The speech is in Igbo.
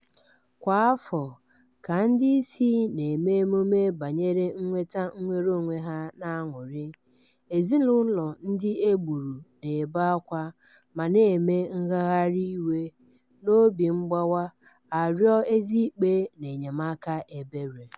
Kwa afọ, ka ndị isi na-eme emume banyere nnweta nnwereonwe ha n'aṅụrị, ezinụlọ ndị e gburu na-ebe akwa ma na-eme ngagharị iwe n'obi mgbawa arịọ eziikpe na enyemaka ebere.